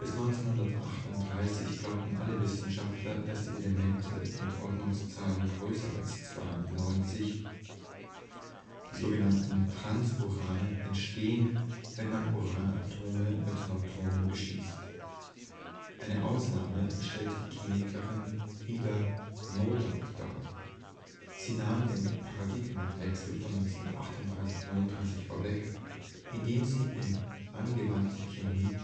1938 glaubten alle Wissenschaftler, dass die Elemente mit Ordnungszahlen größer als 92 (die sogenannten Transurane) entstehen, wenn man Uranatome mit Neutronen beschießt. Eine Ausnahme stellte die Chemikerin Ida Noddack dar. Sie nahm den Paradigmenwechsel von 1938 / 39 vorweg, indem sie in Angewandte Chemie